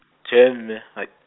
tjhee mme, hai-.